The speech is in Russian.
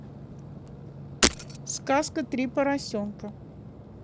сказка три поросенка